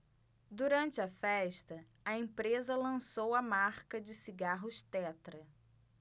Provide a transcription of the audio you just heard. durante a festa a empresa lançou a marca de cigarros tetra